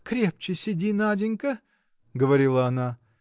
– Крепче сиди, Наденька, – говорила она.